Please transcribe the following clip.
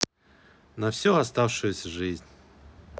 на всю оставшуюся жизнь